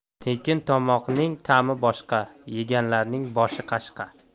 tekin tomoqning ta'mi boshqa yeganlarning boshi qashqa